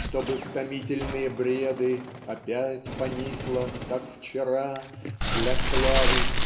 Чтобы в томительные бреды Опять поникла как вчера Для Славы